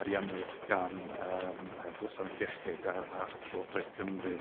ariannwyd gan yym y Gwasanaeth Iechyd a a Llywodraeth Cymru.